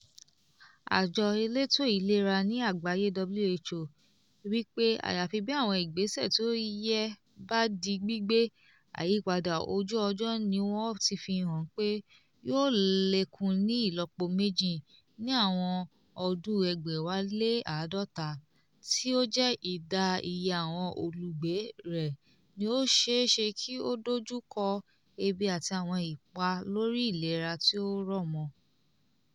Àjọ elétò ìlera ní àgbáyé (WHO) wí pé àyàfi bí àwọn ìgbésẹ̀ tí ó yẹ bá di gbígbé, àyípadà ojú ọjọ́ ni wọn ti fi hàn pé yóò lékún ní ìlọ́po méjì ní àwọn ọdún 2050 tí ó jẹ́ ìdá iye àwọn olùgbé rẹ̀ ni ó ṣeé ṣe kí ó dojú kọ ebi àti àwọn ipa lórí ìlera tí ó rọ̀ mọ.